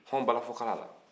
hɔn balafɔkala la